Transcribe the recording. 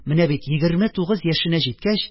Менә бит, егерме тугыз яшенә җиткәч,